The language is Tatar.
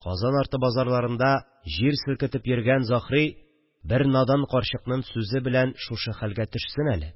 Казан арты базарларында җир селкетеп йөргән Заһри бер надан карчыкның сүзе белән шушы хәлгә төшсен әле